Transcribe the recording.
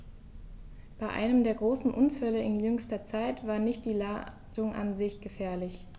Bei einem der großen Unfälle in jüngster Zeit war nicht die Ladung an sich gefährlich.